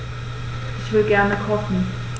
Ich will gerne kochen.